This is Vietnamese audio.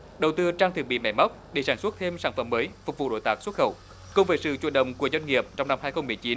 đầu tư trang thiết bị máy móc để sản xuất thêm sản phẩm mới phục vụ đối tác xuất khẩu cùng với sự chủ động của doanh nghiệp trong năm hai không mười chín